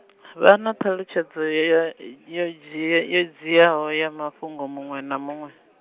vha na ṱhalutshedzo ya yo dzhi- yo dziaho ya mafhungo muṅwe na muṅwe?